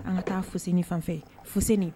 An ka taa Fuseni fanfɛ Fuseni